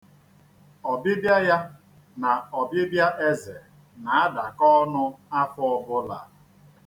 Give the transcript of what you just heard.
Ọbịbịa ya na ọbịbịa eze na-adakọ ọnụ afọ ọbụla.